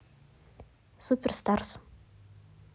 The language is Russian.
супер старс